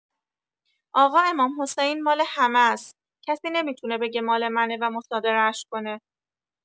آقا امام‌حسین مال همه اس، کسی نمی‌تونه بگه مال منه و مصادره‌اش کنه!